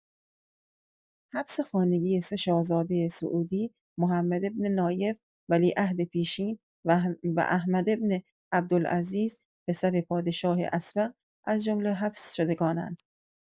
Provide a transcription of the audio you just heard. حبس خانگی سه شاهزاده سعودی محمد بن نایف، ولیعهد پیشین و احمد بن عبدالعزیز، پسر پادشاه اسبق از جمله حبس شدگانند.